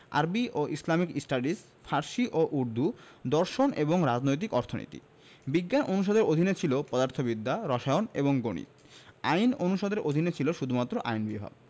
আরবি ও Islamic studies ফার্সি ও উর্দু দর্শন এবং রাজনৈতিক অর্থনীতি বিজ্ঞান অনুষদের অধীনে ছিল পদার্থবিদ্যা রসায়ন এবং গণিত আইন অনুষদের অধীনে ছিল শুধুমাত্র আইন বিভাগ